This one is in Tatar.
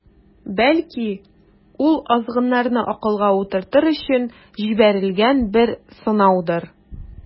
Бәлки, ул азгыннарны акылга утыртыр өчен җибәрелгән бер сынаудыр.